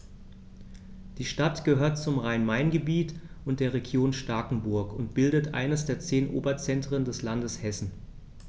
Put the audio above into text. Die Stadt gehört zum Rhein-Main-Gebiet und der Region Starkenburg und bildet eines der zehn Oberzentren des Landes Hessen.